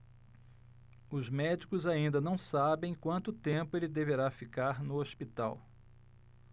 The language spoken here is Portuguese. os médicos ainda não sabem quanto tempo ele deverá ficar no hospital